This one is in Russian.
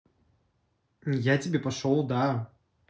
я тебе пошел да